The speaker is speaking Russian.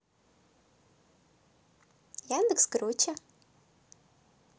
яндекс круче